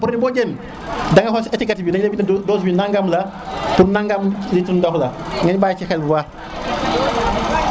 produit bo jënd dengay xool si etiquette bi deñ lay bindal dose bi nangam la pour nangam litre ndox la ngen bayi si xel bu baax